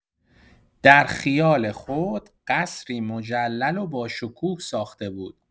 در خیال خود، قصری مجلل و باشکوه ساخته بود.